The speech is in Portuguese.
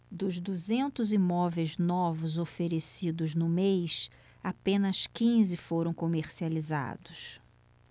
dos duzentos imóveis novos oferecidos no mês apenas quinze foram comercializados